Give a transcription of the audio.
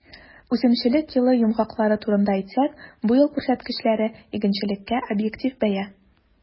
Үсемлекчелек елы йомгаклары турында әйтсәк, бу ел күрсәткечләре - игенчелеккә объектив бәя.